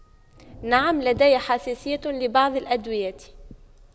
نعم لدي حساسية لبعض الأدوية